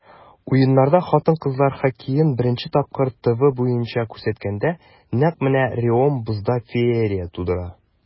Уеннарда хатын-кызлар хоккеен беренче тапкыр ТВ буенча күрсәткәндә, нәкъ менә Реом бозда феерия тудыра.